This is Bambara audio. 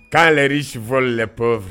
Quand les riches volent